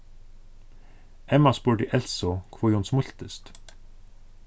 emma spurdi elsu hví hon smíltist